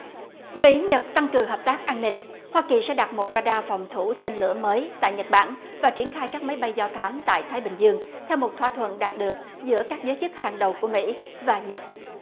mỹ nhật tăng cường hợp tác an ninh hoa kỳ sẽ đặt một ra đa phòng thủ tên lửa mới tại nhật bản và triển khai các máy bay do thám tại thái bình dương theo một thỏa thuận đạt được giữa các giới chức hàng đầu của mỹ và nhật